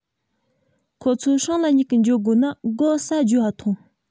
ཁོད ཚོ སྲང ང ཉུལ གི འགྱོ དགོ ན སྒོ ཟྭ རྒྱོབ བ ཐོངས